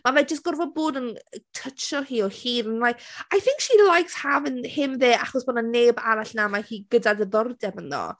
Ma' fe jyst gorfod bod yn, tytsio hi o hyd. I'm like, I think she likes having him there achos bod 'na neb arall 'na mae hi gyda ddiddordeb ynddo.